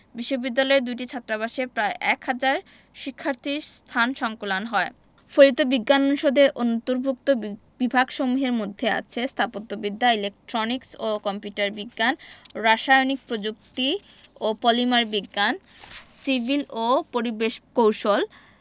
বিশ্ববিদ্যালয়ের দুটি ছাত্রাবাসে প্রায় এক হাজার শিক্ষার্থীর স্থান সংকুলান হয় ফলিত বিজ্ঞান অনুষদের অন্তর্ভুক্ত বিভাগসমূহের মধ্যে আছে স্থাপত্যবিদ্যা ইলেকট্রনিক্স ও কম্পিউটার বিজ্ঞান রাসায়নিক প্রযুক্তি ও পলিমার বিজ্ঞান সিভিল ও পরিবেশ কৌশল